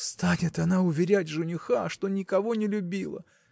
– Станет она уверять жениха, что никого не любила!